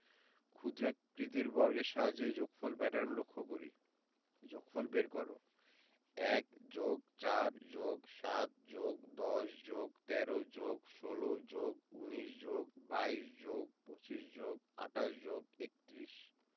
ক্ষুদ্রাকৃতির বর্গের সাহায্যে এই যোগফল প্যাটার্ন লক্ষ করি যোগফল বের করঃ ১+৪+৭+১০+১৩+১৬+১৯+২২+২৫+২৮+৩১